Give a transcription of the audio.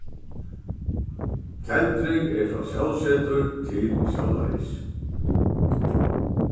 tendring er frá sólsetur til sólarris